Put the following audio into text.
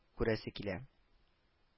Күрәсе килә